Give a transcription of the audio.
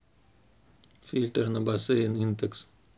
фильтр на бассейн intex